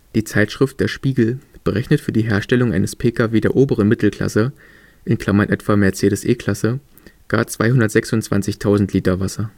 Die Zeitschrift Der Spiegel berechnet für die Herstellung eines Pkw der oberen Mittelklasse (etwa: Mercedes E-Klasse) gar 226.000 l Wasser